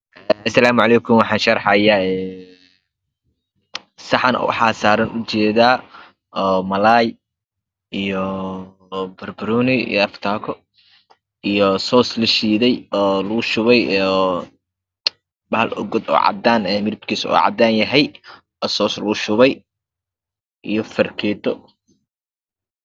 Waxaan sharxayaa saxan oo malay saran ujeeda malay iyo barbaroni afagadho iyo soos la shiiday oo lagu shubay wel god ah oo cadan ah iyo fargeeto